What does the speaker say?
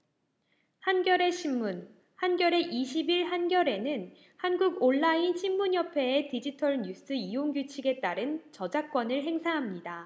한겨레신문 한겨레 이십 일 한겨레는 한국온라인신문협회의 디지털뉴스이용규칙에 따른 저작권을 행사합니다